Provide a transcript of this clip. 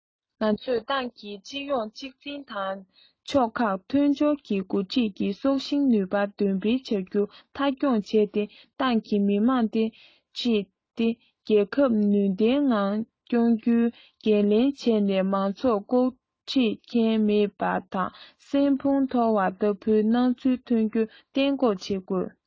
ང ཚོས ཏང གི སྤྱི ཡོངས གཅིག འཛིན དང ཕྱོགས ཁག མཐུན སྦྱོར གྱི འགོ ཁྲིད ཀྱི སྲོག ཤིང ནུས པ འདོན སྤེལ བྱ རྒྱུ མཐའ འཁྱོངས བྱས ཏེ ཏང གིས མི དམངས སྣེ ཁྲིད དེ རྒྱལ ཁབ ནུས ལྡན ངང སྐྱོང རྒྱུའི འགན ལེན བྱས ནས མང ཚོགས འགོ འཁྲིད མཁན མེད པ དང སྲན ཕུང ཐོར བ ལྟ བུའི སྣང ཚུལ ཐོན རྒྱུ གཏན འགོག བྱེད དགོས